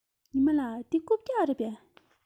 ཉི མ ལགས འདི རྐུབ བཀྱག རེད པས